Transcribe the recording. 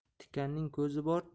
tikanning ko'zi bor